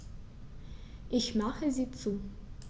Ich mache sie zu.